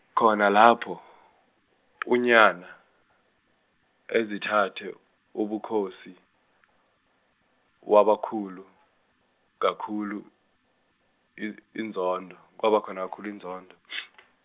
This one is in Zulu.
khona lapho, uOnyanga, ezithathe ubukhosi, wabakhulu, kakhulu i- inzondo kwabakhona kakhulu inzondo .